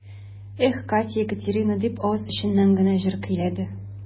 Эх, Катя-Катерина дип, авыз эченнән генә җыр көйләде.